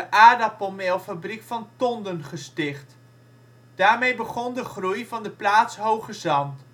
aardappelmeelfabriek van Tonden gesticht. Daarmee begon de groei van de plaats Hoogezand